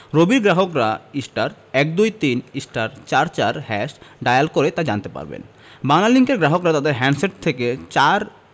রবির গ্রাহকরা *১২৩*৪৪# ডায়াল করে তা জানতে পারবেন বাংলালিংকের গ্রাহকরা তাদের হ্যান্ডসেট থেকে ৪